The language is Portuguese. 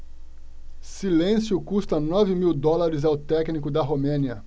silêncio custa nove mil dólares ao técnico da romênia